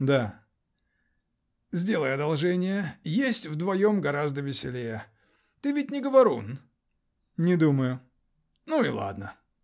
-- Да. -- Сделай одолжение, есть вдвоем гораздо веселее. Ты ведь не говорун? -- Не думаю. -- Ну и ладно.